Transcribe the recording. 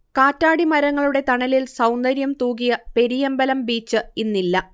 കറ്റാടിമരങ്ങളുടെ തണലിൽ സൗന്ദര്യം തൂകിയ പെരിയമ്പലം ബീച്ച് ഇന്നില്ല